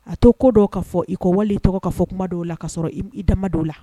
A to ko dɔ ka fɔ i ko wali i tɔgɔ ka fɔ kuma dɔw la kaa sɔrɔ i dama dɔw' la